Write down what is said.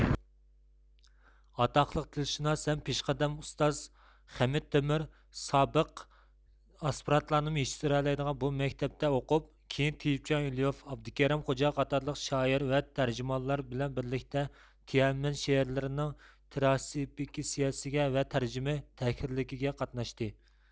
ئاتاقلىق تىلشۇناس ھەم پېشقەدەم ئۇستاز خەمىت تۆمۈر سابىق ئاسپىرانتلارنىمۇ يېتىشتۈرەلەيدىغان بۇ مەكتەپتە ئوقۇپ كىيىن تېيىپچان ئېلىيۇف ئابدۇكېرىم خوجا قاتارلىق شائىر ۋە تەرجىمانلار بىلەن بىرلىكتە تيەنئەنمىن شېئىرلىرى نىڭ ترانسكرېپسىيەسىگە ۋە تەرجىمە تەھرىرلىكىگە قاتناشتى